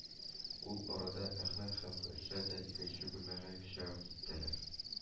Ул арада Әхмәт һәм Гайшә дә икенче бүлмәгә чыгып киттеләр